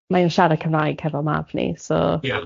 mae o'n siarad Cymraeg hefo'n mab ni so... Ie.